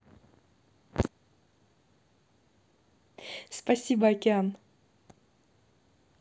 спасибо океан